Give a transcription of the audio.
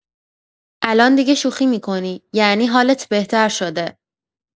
الان دیگه شوخی می‌کنی، یعنی حالت بهتر شده.